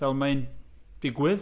Fel mae'n digwydd.